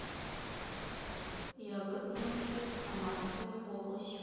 ягодное самарская область